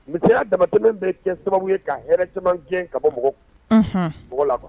Musoya damabatɛ bɛ kɛ sababu ye ka hɛrɛ caman gɛn ka bɔ mɔgɔ mɔgɔ lafa